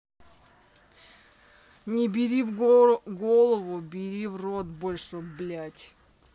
не бери в голову бери в рот больше блядь